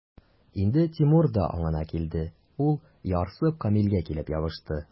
Инде Тимур да аңына килде, ул, ярсып, Камилгә килеп ябышты.